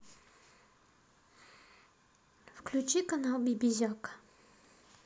включи канал бибизяка